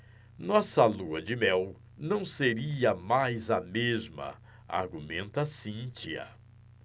nossa lua-de-mel não seria mais a mesma argumenta cíntia